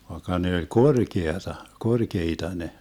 vaikka ne oli korkeaa korkeita ne